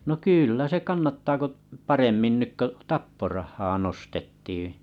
no kyllä se kannattaa kun - paremmin nyt kun tapporahaa nostettiin